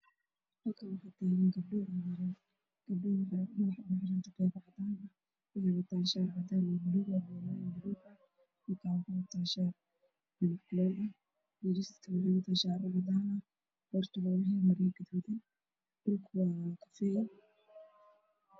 Meeshan waa qabuuro halkaasoo lagu duugo dadka dhintay islamarkaana lagu aaso